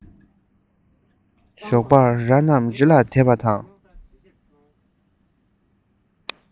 ཞོགས པར ར རྣམས རི ལ དེད པ དང